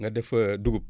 nga def fa dugub